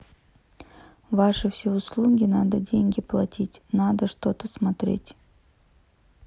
ваше все услуги надо деньги платить надо что то смотреть